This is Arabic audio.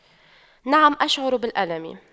نعم أشعر بالألم